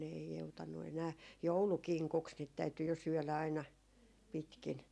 ne ei joutanut enää joulukinkuksi niitä täytyi jo syödä aina pitkin